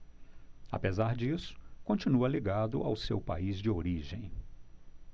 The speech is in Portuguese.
apesar disso continua ligado ao seu país de origem